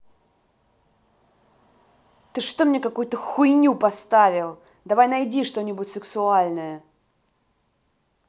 ты что мне какую то хуйню поставил давай найди что нибудь сексуальное